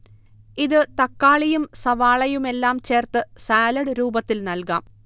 ഇത് തക്കാളിയും സവാളയുമെല്ലാം ചേർത്ത് സാലഡ് രൂപത്തിൽ നൽകാം